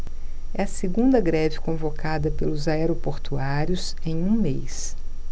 é a segunda greve convocada pelos aeroportuários em um mês